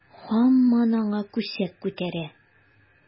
Һаман аңа күсәк күтәрә.